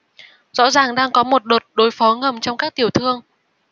rõ ràng đang có một đợt đối phó ngầm trong các tiểu thương